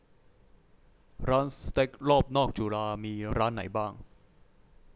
ร้านสเต็กรอบนอกจุฬามีร้านไหนบ้าง